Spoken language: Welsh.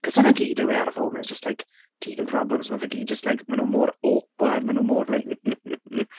Achos dyna gyd yw e ar y foment. It's just like teething problems. Mae fe gyd just like ma' nhw mor awkward maen nhw mor like